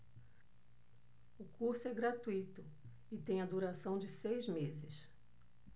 o curso é gratuito e tem a duração de seis meses